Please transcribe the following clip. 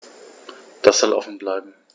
Das soll offen bleiben.